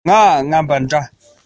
ཁོས ང རང པང དུ ཚུར བླངས རྗེས